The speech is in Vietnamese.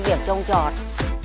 việc trồng trọt